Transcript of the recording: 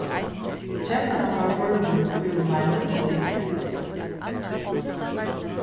kettan var horvin í umleið níggju dagar